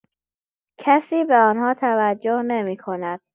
کسی به آن‌ها توجه نمی‌کند.